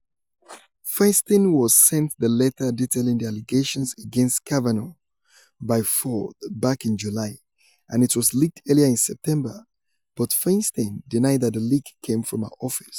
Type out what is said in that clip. Feinstein was sent the letter detailing the allegations against Kavanaugh by Ford back in July, and it was leaked earlier in September - but Feinstein denied that the leak came from her office.